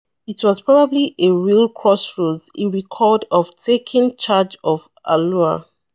"It was probably a real crossroads," he recalled, of taking charge of Alloa.